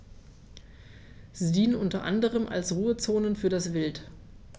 Sie dienen unter anderem als Ruhezonen für das Wild.